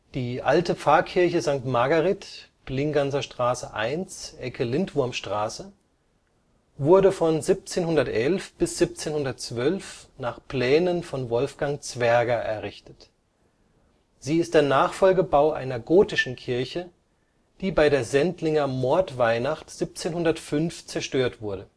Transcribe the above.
Die Alte Pfarrkirche St. Margaret (Plinganserstraße 1, Ecke Lindwurmstraße) wurde von 1711 bis 1712 nach Plänen von Wolfgang Zwerger errichtet. Sie ist der Nachfolgebau einer gotischen Kirche, die bei der Sendlinger Mordweihnacht 1705 zerstört wurde